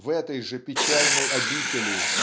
в этой же печальной обители